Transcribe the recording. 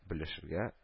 Белешергә